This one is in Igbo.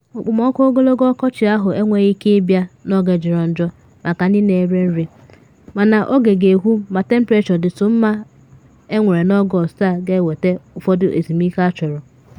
Okpomọkụ ogologo ọkọchị ahụ enweghị ike ịbịa n’oge jọrọ njọ maka ndị na ere nri, mana oge ga-ekwu ma temprechọ dịtụ mma enwere na Ọgọst a ga-eweta ụfọdụ ezumike achọrọ.”